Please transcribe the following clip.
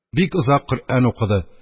Бик озак Коръән укыды,